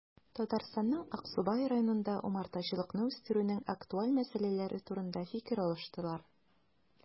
Татарстанның Аксубай районында умартачылыкны үстерүнең актуаль мәсьәләләре турында фикер алыштылар